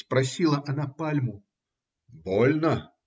– спросила она пальму. – Больно?